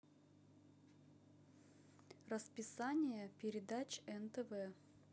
расписание передач нтв